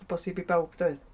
bosib i bawb doedd?